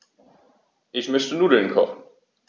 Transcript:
Ich möchte Nudeln kochen.